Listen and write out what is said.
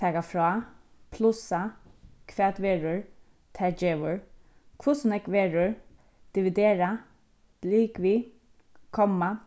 taka frá plussa hvat verður tað gevur hvussu nógv verður dividera ligvið komma